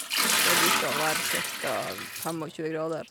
Det bruker å være cirka fem og tjue grader.